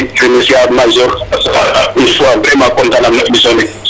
Maxey remercier a major vraiment content nam no emission ne.